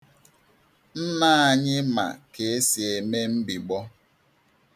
Nna anyị ma ka e si eme mbigbọ.